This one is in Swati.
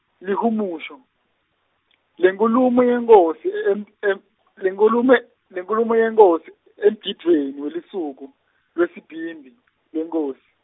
Lihumusho , lenkhulumo yenkhosi, e em- em- lenkhulume-, lenkhulumo yenkhosi emgidvweni welusuku, lwesibhimbi lwenkhosi.